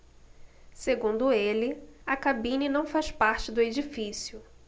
segundo ele a cabine não faz parte do edifício